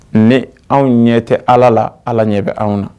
Ne an ɲɛ tɛ ala la ala ɲɛ bɛ an na